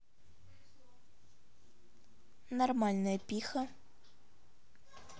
нормальная пиха